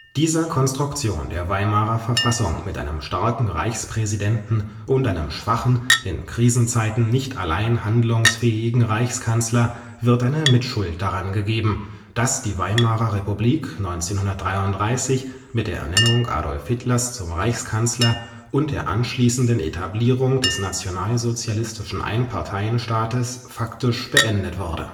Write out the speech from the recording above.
Dieser Konstruktion der Weimarer Verfassung mit einem starken Reichspräsidenten und einem schwachen, in Krisenzeiten nicht allein handlungsfähigen Reichskanzler wird eine Mitschuld daran gegeben, dass die Weimarer Republik 1933 mit der Ernennung Adolf Hitlers zum Reichskanzler (→ Machtübernahme) und der anschließenden Etablierung des nationalsozialistischen Einparteienstaates faktisch beendet wurde